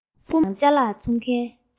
རྐུན མ དང ཅ ལག འཚོང མཁན